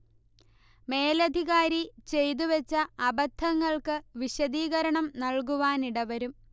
മേലധികാരി ചെയ്തു വെച്ച അബദ്ധങ്ങൾക്ക് വിശദീകരണം നൽകുവാനിടവരും